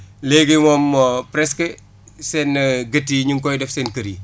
léegi moom presque seen gétt yi ñu ngi koy def seen kër yi